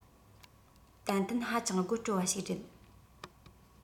ཏན ཏན ཧ ཅང དགོད སྤྲོ བ ཞིག རེད